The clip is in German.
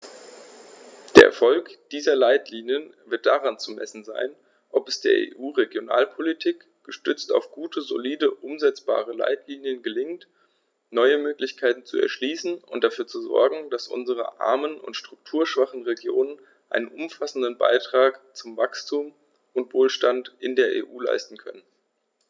Der Erfolg dieser Leitlinien wird daran zu messen sein, ob es der EU-Regionalpolitik, gestützt auf gute, solide und umsetzbare Leitlinien, gelingt, neue Möglichkeiten zu erschließen und dafür zu sorgen, dass unsere armen und strukturschwachen Regionen einen umfassenden Beitrag zu Wachstum und Wohlstand in der EU leisten können.